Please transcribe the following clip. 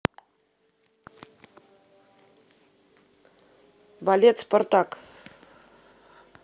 балет спартак